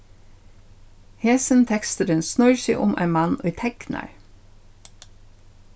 hesin teksturin snýr seg um ein mann ið teknar